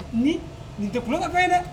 Nin nin tɛ tulo ka kɛ ye dɛ